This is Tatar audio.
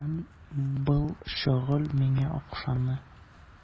Һәм бу шөгыль миңа ошады.